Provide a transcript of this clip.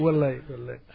wallaay wallaay